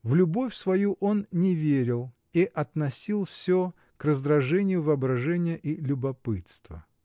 В любовь свою он не верил и относил всё к раздражению воображения и любопытства.